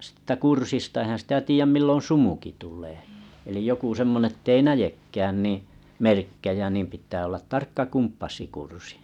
siitä kurssista eihän sitä tiedä milloin sumukin tulee eli joku semmoinen että ei näekään niin merkkejä niin pitää olla tarkka kompassikurssi